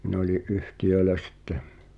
minä olin yhtiöillä sitten